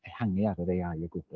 ehangu ar yr AI o gwbl.